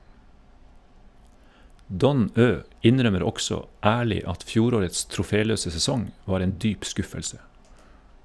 Don Ø innrømmer også ærlig at fjorårets troféløse sesong var en dyp skuffelse.